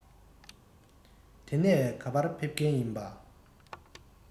དེ ནས ག པར ཕེབས མཁན ཡིན པྰ